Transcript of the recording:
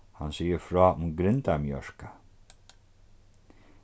hann sigur frá um grindamjørka